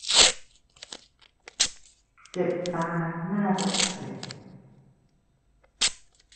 เจ็บตาน่าจะอักเสบ